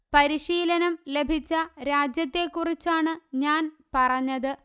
പരിശീലനം ലഭിച്ച രാജ്യത്തെക്കുറിച്ചാണ് ഞാൻപറഞ്ഞത്